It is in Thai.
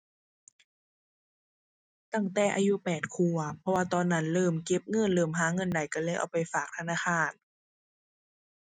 ตั้งแต่อายุแปดขวบ เพราะว่าตอนนั้นเริ่มเก็บเงิน เริ่มหาเงินได้ ก็เลยเอาไปฝากธนาคาร